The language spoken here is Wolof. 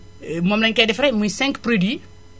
moom lañu koy defaree muy cinq produits yi